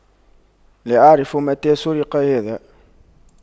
لا اعرف متى سرق هذا